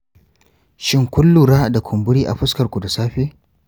shin, kuna lura da kumburi a fuskar ku da safe?